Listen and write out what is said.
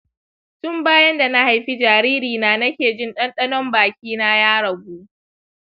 tun bayan dana haifi jariri na nake jin ɗanɗanon bakina ya ragu